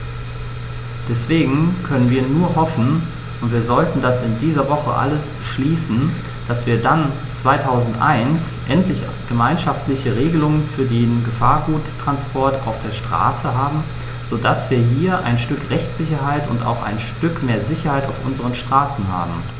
Deswegen können wir nur hoffen - und wir sollten das in dieser Woche alles beschließen -, dass wir dann 2001 endlich gemeinschaftliche Regelungen für den Gefahrguttransport auf der Straße haben, so dass wir hier ein Stück Rechtssicherheit und auch ein Stück mehr Sicherheit auf unseren Straßen haben.